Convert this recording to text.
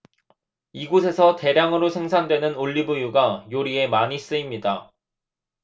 이곳에서 대량으로 생산되는 올리브유가 요리에 많이 쓰입니다